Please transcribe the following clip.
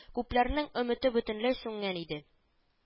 Күпләрнең өмете бөтенләй сүнгән иде